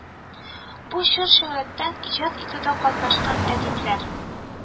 Бу чор шигъриятен иҗат итүдә катнашкан әдипләр